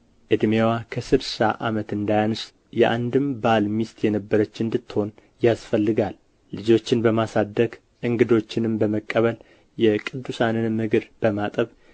ዕድሜዋ ከስድሳ ዓመት እንዳያንስ የአንድም ባል ሚስት የነበረች እንድትሆን ያስፈልጋል ልጆችን በማሳደግ እንግዶችንም በመቀበል የቅዱሳንንም እግሮች በማጠብ